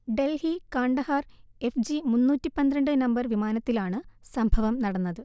Delhi-Kandahar F G മുന്നൂറ്റി പന്ത്രണ്ട് number വിമാനത്തിലാണ് സംഭവം നടന്നത്